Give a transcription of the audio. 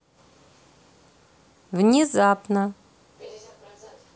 внезапно